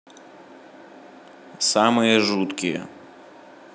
самые жуткие